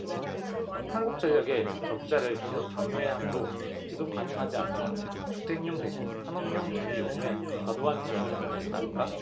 한국전력에 적자를 계속 강요해야 하므로 지속 가능하지 않다 주택용 대신 산업용 전기요금에 과도한 지원을 하는 것은 아닌가